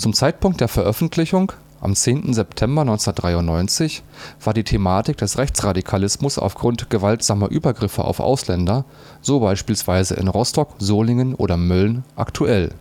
Zeitpunkt der Veröffentlichung (10. September 1993) war die Thematik des Rechtsradikalismus aufgrund gewaltsamer Übergriffe auf Ausländer (so beispielsweise in Rostock, Solingen oder Mölln) aktuell